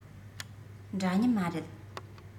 འདྲ མཉམ མ རེད